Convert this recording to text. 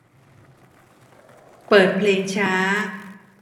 เปิดเพลงช้า